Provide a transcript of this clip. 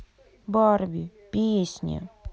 барби песни